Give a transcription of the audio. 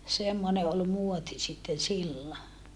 semmoinen oli muoti sitten silloin